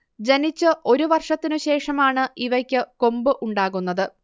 ജനിച്ച് ഒരുവർഷത്തിനുശേഷമാണ് ഇവയ്ക്ക് കൊമ്പ് ഉണ്ടാകുന്നത്